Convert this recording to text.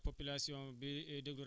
waaw kay merci